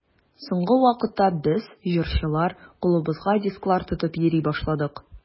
Соңгы вакытта без, җырчылар, кулыбызга дисклар тотып йөри башладык.